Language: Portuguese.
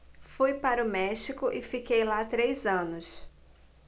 fui para o méxico e fiquei lá três anos